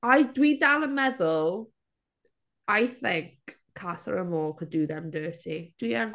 I dwi dal yn meddwl I think Casa Amor could do them dirty. Dwi yn.